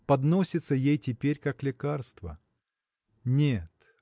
подносится ей теперь как лекарство? Нет